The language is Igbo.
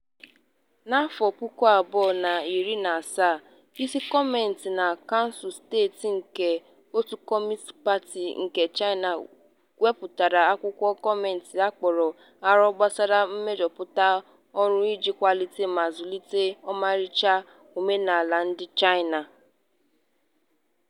N'afọ puku abụọ na iri na asaa, isi kọmitii na kansụl steeti nke òtù Communist Party nke China wepụtara akwụkwọ gọọmentị a kpọrọ "Aro gbasara mmejuputa ọrụ iji kwalite ma zụlite ọmarịcha omenala ndị China"."